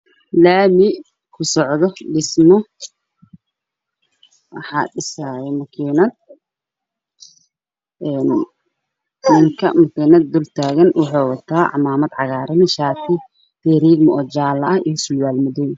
Waa laami kusocdo dhismo waxaa dhisaayo makiinad